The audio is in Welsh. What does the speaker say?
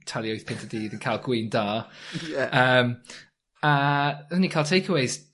talu wyth punt y dydd yn ca'l gwin da. Ie. Yym, a, odden ni'n ca'l take aways